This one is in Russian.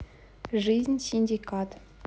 жизнь синдикат